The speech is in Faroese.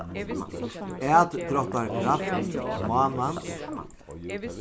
atdráttarkraft mánans